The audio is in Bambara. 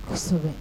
Kosɛbɛ